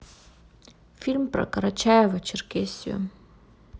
фильм про карачаева черкесию